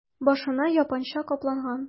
Башына япанча каплаган...